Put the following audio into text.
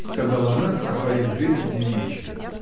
— сказала она, отворив дверь в девичью.